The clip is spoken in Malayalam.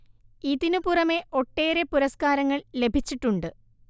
ഇതിനു പുറമെ ഒട്ടേറെ പുരസ്കാരങ്ങള്‍ ലഭിച്ചിട്ടുണ്ട്